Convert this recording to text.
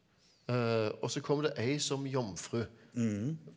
og så kommer det ei som jomfru.